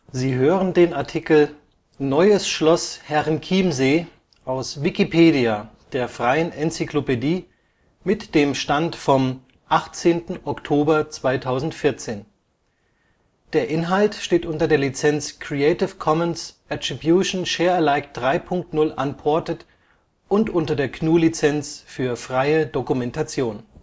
Sie hören den Artikel Neues Schloss Herrenchiemsee, aus Wikipedia, der freien Enzyklopädie. Mit dem Stand vom Der Inhalt steht unter der Lizenz Creative Commons Attribution Share Alike 3 Punkt 0 Unported und unter der GNU Lizenz für freie Dokumentation